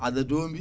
adda doobi